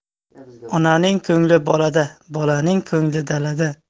onaning ko'ngh bolada bolaning ko'ngli dalada